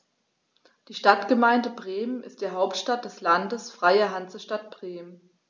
Die Stadtgemeinde Bremen ist die Hauptstadt des Landes Freie Hansestadt Bremen.